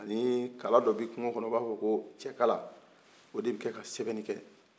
ani kala dɔ be kungo kɔnɔ u b'a f'a ma ko cɛkala o de be kɛ ka sɛbɛni kɛ